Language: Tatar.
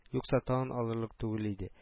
Юкса, тан алырлык түгел иде